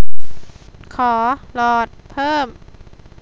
ขอหลอดเพิ่ม